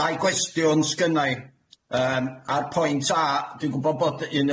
Dau gwestiwn s'gynna'i yym a'r point A, dwi'n gwbod bod un